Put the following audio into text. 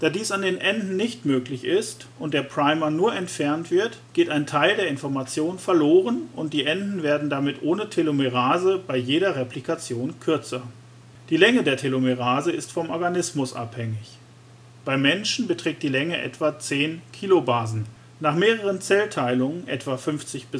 dies an den Enden nicht möglich ist und der Primer nur entfernt wird, geht ein Teil der Information verloren und die Enden werden somit ohne Telomerase bei jeder Replikation verkürzt. Die Länge der Telomere ist vom Organismus abhängig. Bei Menschen beträgt die Länge etwa 10 kb (Kilobasen), nach mehreren Zellteilungen (etwa 50